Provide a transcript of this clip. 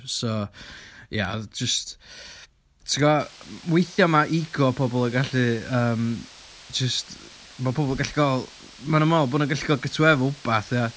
So ie oedd jyst ti'n gwbod weithiau mae ego pobl yn gallu, yym jyst... mae pobl yn gallu fel... maen nhw'n meddwl bod nhw gallu cael getaway efo rywbeth ia.